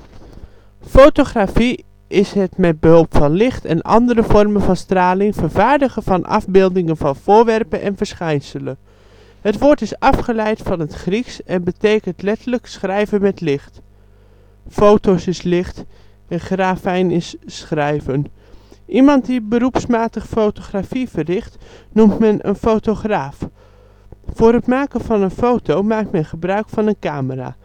Fotografie is het met behulp van licht en andere vormen van straling vervaardigen van afbeeldingen van voorwerpen en verschijnselen. Het woord is afgeleid van het Grieks en betekent letterlijk schrijven met licht. (φωτος phootos = licht, γραφειν graphein = schrijven) In de donker kamer. Iemand die (beroepsmatig) fotografie verricht noemt men een fotograaf. Voor het maken van een foto maakt men gebruik van een camera